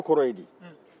cari kɔrɔ ye di